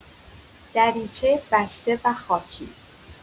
دریچه بسته و خاکی